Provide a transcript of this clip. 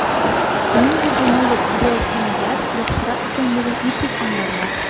Нинди дженерик/биосимиляр яхшырак икәнлеген ничек аңларга?